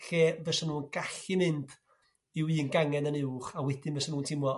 Lle fys nhw'n gallu mynd rhyw un gangen yn uwch a wedyn fysa nhwn t'imlo